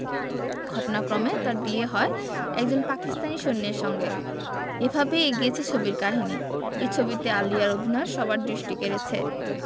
ঘটনাক্রমে তার বিয়ে হয় একজন পাকিস্তানী সৈন্যের সঙ্গে এভাবেই এগিয়েছে ছবির কাহিনী এই ছবিতে আলিয়ার অভিনয় সবার দৃষ্টি কেড়েছে